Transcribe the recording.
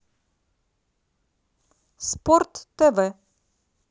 спорт тв